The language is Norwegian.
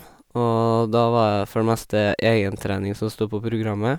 Og da var det for det meste egentrening som stod på programmet.